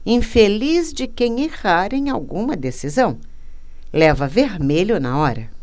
infeliz de quem errar em alguma decisão leva vermelho na hora